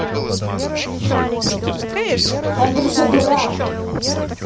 андрюша дурак